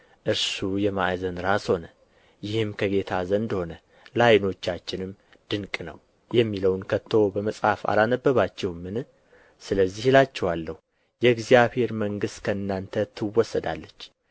እርሱ የማዕዘን ራስ ሆነ ይህም ከጌታ ዘንድ ሆነ ለዓይኖቻችንም ድንቅ ነው የሚለውን ከቶ በመጽሐፍ አላነበባችሁምን ስለዚህ እላችኋለሁ የእግዚአብሔር መንግሥት ከእናንተ ትወሰዳለች